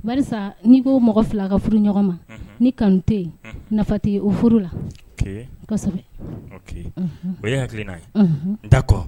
Ba n'i ko mɔgɔ fila ka furu ɲɔgɔn ma ni kanteti o furu la o ye hakiliki' ye dakɔ